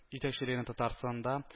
Җитәкчелегенә татарстанда